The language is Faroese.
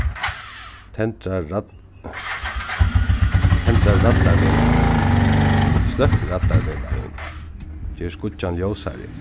tendra tendra raddarvegleiðing sløkk raddarvegleiðing ger skíggjan ljósari